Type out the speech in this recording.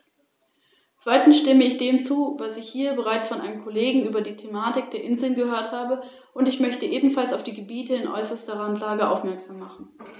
Das wäre auch erforderlich, um das Sicherheitsniveau in den nördlichen Regionen beizubehalten.